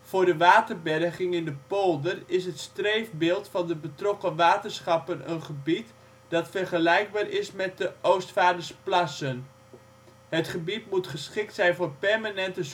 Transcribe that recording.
Voor de waterberging in de polder is het streefbeeld van de betrokken waterschappen een gebied, dat vergelijkbaar is met de Oostvaardersplassen. Het gebied moet geschikt zijn voor permanente